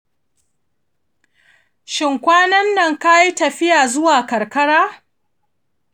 shin kwanan nan ka yi tafiya zuwa karkara?